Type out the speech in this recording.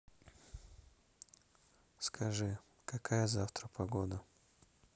скажи какая завтра погода